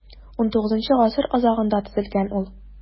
XIX гасыр азагында төзелгән ул.